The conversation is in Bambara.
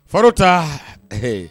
Fa ta ɛɛ